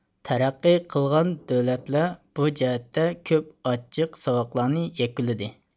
تەرەققىي قىلغان دۆلەتلەر بۇ جەھەتتە كۆپ ئاچچىق ساۋاقلارنى يەكۈنلىدى